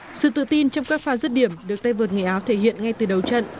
sự tự tin trong các pha dứt điểm được tay vợt người áo thể hiện ngay từ đầu trận